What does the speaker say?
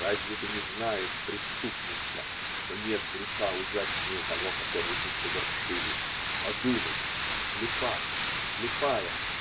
Разве ты не знаешь, преступница, что нет греха ужаснее того, который мы совершили? Одумайся! Слепая! Слепая!